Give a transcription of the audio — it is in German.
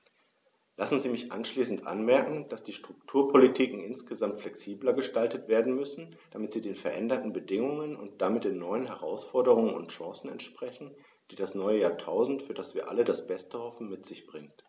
Lassen Sie mich abschließend anmerken, dass die Strukturpolitiken insgesamt flexibler gestaltet werden müssen, damit sie den veränderten Bedingungen und damit den neuen Herausforderungen und Chancen entsprechen, die das neue Jahrtausend, für das wir alle das Beste hoffen, mit sich bringt.